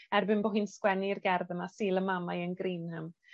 erbyn bo' hi'n sgwennu'r gerdd yma Sul y Mamau yn Greenham.